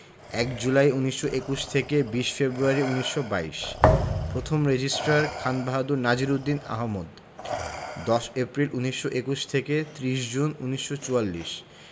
১ July ১৯২১ থেকে ২০ February ১৯২২ প্রথম registrar Khan Bahadur Nazir Uddin Ahmed ১০ April ১৯২১ থেকে ৩০ জুন ১৯৪৪